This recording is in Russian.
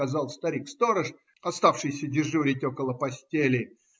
- сказал старик-сторож, оставшийся дежурить около постели.